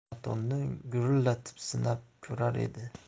motorni gurillatib sinab ko'rar edi